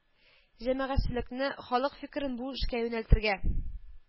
Җәмәгатьчелекне, халык фикерен бу эшкә юнәлтергә